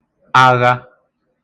agha